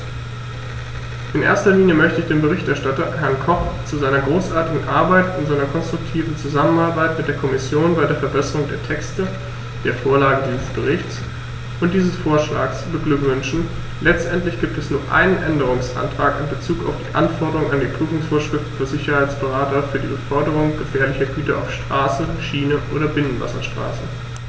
In erster Linie möchte ich den Berichterstatter, Herrn Koch, zu seiner großartigen Arbeit und seiner konstruktiven Zusammenarbeit mit der Kommission bei der Verbesserung der Texte, der Vorlage dieses Berichts und dieses Vorschlags beglückwünschen; letztendlich gibt es nur einen Änderungsantrag in bezug auf die Anforderungen an die Prüfungsvorschriften für Sicherheitsberater für die Beförderung gefährlicher Güter auf Straße, Schiene oder Binnenwasserstraßen.